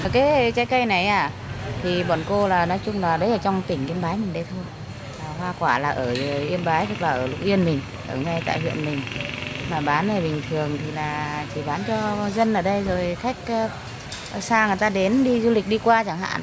cái cái trái cây này à thì bọn cô là nói chung là lấy ở trong tỉnh yên bái mình đẹp hơn hoa quả là ở yên bái và ở lục yên mình ở ngay tại huyện mình mà bán này bình thường thì là chỉ bán cho người dân ở đây rồi khách xa người ta đến đi du lịch đi qua chẳng hạn